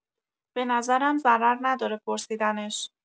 به نظرم ضرر نداره پرسیدنش